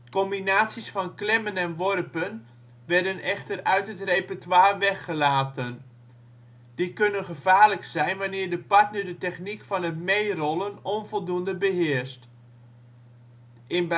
Combinaties van klemmen en worpen werden echter uit het repertoire weggelaten: die kunnen gevaarlijk zijn wanneer de partner de techniek van het meerollen onvoldoende beheerst (in